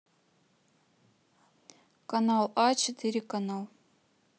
канал а четыре канал